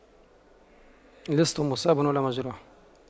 لست مصابا ولا مجروحا